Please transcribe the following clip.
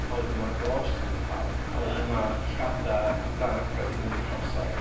a wedyn ma'r ghost yn mynd lawr. A wedyn ma' llygadau Dan Aykroyd yn mynd yn cross-eyed.